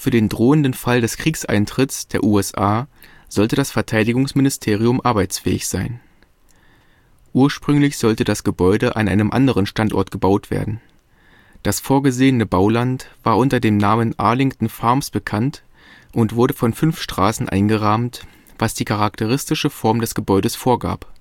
den drohenden Fall des Kriegseintritts der USA sollte das Verteidigungsministerium arbeitsfähig sein. Ursprünglich sollte das Gebäude an einem anderen Standort gebaut werden. Das vorgesehene Bauland war unter dem Namen Arlington Farms bekannt und wurde von fünf Straßen eingerahmt, was die charakteristische Form des Gebäudes vorgab